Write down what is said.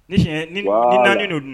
Ni ni naani don dun